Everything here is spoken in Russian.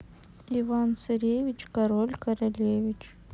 иван царевич король королевич